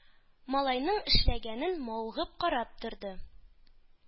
Малайның эшләгәнен мавыгып карап торды.